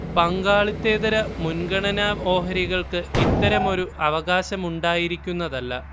പങ്കാളിത്തേതര മുൻഗണനാ ഓഹരികൾക്ക് ഇത്തരമൊരു അവകാശമുണ്ടായിരിക്കുന്നതല്ല